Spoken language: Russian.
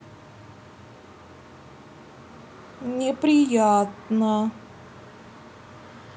неприятно